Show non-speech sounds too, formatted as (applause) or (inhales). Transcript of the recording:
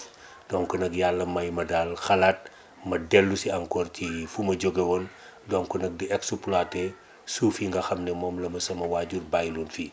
(inhales) donc nag yàlla may ma daal xalaat ma dellu si encore ci fu ma jóge woon donc nag di exploité suuf yi nga xam ne moom la ma sama waajur bàyyiloon fii